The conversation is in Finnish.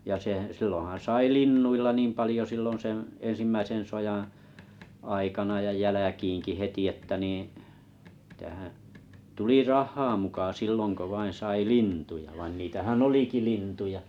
ja se silloinhan sai linnuilla niin paljon silloin sen ensimmäisen sodan aikana ja jälkeenkin heti että niin mitähän tuli rahaa muka silloin kun vain sai lintuja vaan niitähän olikin lintuja